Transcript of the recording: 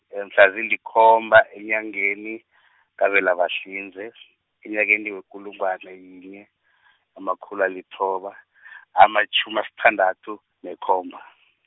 e mhla zilikhomba enyangeni, kaVelabahlinze, enyakeni wekulungwana yinye , namakhulu alithoba , amatjhumi asithandathu, nekhomba.